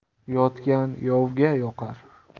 yotgan yovga yoqar